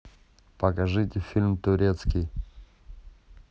покажите фильм турецкий